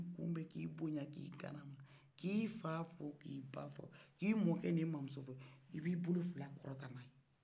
kumɛ k'i boɲan k'i karama k'i fa fo k'i ba fo k'i mɔgɔ ni mɔmuso fo i b'i bolo fila kɔrɔta n'a ye